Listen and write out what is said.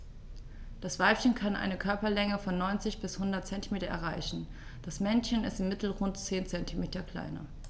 Das Weibchen kann eine Körperlänge von 90-100 cm erreichen; das Männchen ist im Mittel rund 10 cm kleiner.